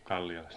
Kallialasta